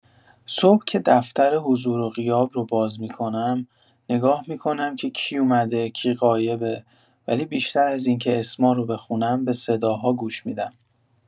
صبح که دفتر حضور و غیاب رو باز می‌کنم، نگاه می‌کنم که کی اومده، کی غایبه، ولی بیشتر از اینکه اسما رو بخونم، به صداها گوش می‌دم.